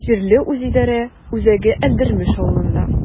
Җирле үзидарә үзәге Әлдермеш авылында.